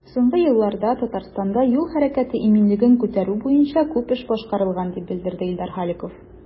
Соңгы елларда Татарстанда юл хәрәкәте иминлеген күтәрү буенча күп эш башкарылган, дип белдерде Илдар Халиков.